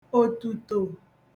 òtùto